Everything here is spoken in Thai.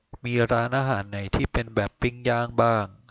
มีร้านอาหารไหนที่เป็นแบบปิ้งย่างบ้าง